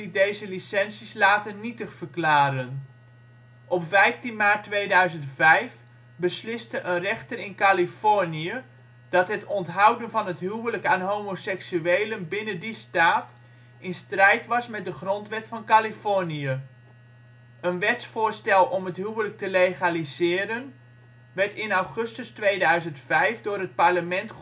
deze licenties later nietig verklaren. Op 15 maart 2005 besliste een rechter in Californië dat het onthouden van het huwelijk aan homoseksuelen binnen die staat in strijd was met de grondwet van Californië. Een wetsvoorstel om het huwelijk te legaliseren werd in augustus 2005 door het parlement